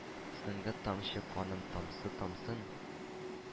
Соңгы тамчы каным тамса тамсын,